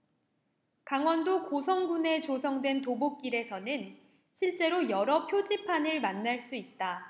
강원도 고성군에 조성된 도보길에서는 실제로 여러 표지판을 만날 수 있다